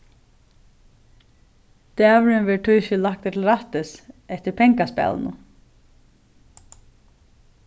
dagurin verður tískil lagdur til rættis eftir pengaspælinum